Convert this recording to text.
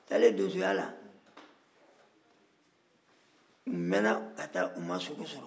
u taalen donsoya la u mɛnna ka taa u ma sogo sɔrɔ